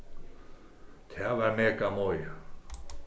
tað var mega moðið